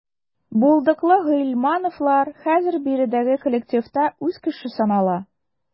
Булдыклы гыйльмановлар хәзер биредәге коллективта үз кеше санала.